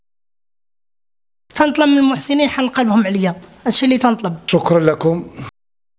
انت من المحسنين حلقه لهم عليا ايش اللي نطلب شكرا لكم